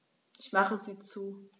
Ich mache sie zu.